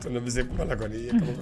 Tonton bi se kuma la kɔni i ye kabako